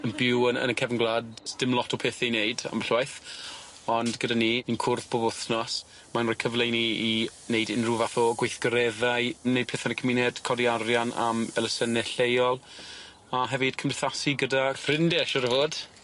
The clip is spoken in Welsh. Yn byw yn yn y cefyn gwlad sdim lot o pethe i wneud ambell waith ond gyda ni ni'n cwrdd pob wthnos mae'n roi cyfle i ni i neud unryw fath o gweithgareddau neud pethe yn y cymuned codi arian am elusenne lleol a hefyd cymdeithasu gyda ffrindie siŵr o fod.